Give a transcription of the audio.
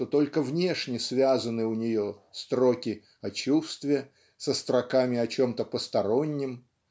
что только внешне связаны у нее строки о чувстве со строками о чем-то постороннем